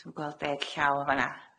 Dwi'n gweld deg llaw yn fana.